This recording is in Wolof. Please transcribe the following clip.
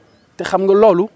te xam nga loolu